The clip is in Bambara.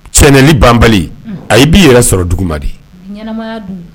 Cɛnɛn ni banbali a ye bi yɛrɛ sɔrɔ dugu de